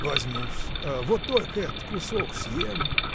– Возьму-с: вот только этот кусок съем.